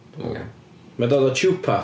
Dwi'm yn gwbod... Mae o'n dod o Chupa...